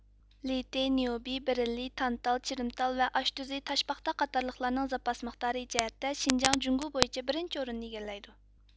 لىتېي نىئوبىي بېرىللىي تانتال چىرىمتال ۋە ئاشتۇزى تاشپاختا قاتارلىقلارنىڭ زاپاس مىقدارى جەھەتتە شىنجاڭ جۇڭگو بويىچە بىرىنچى ئورۇننى ئىگىلەيدۇ